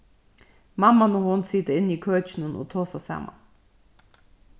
mamman og hon sita inni í køkinum og tosa saman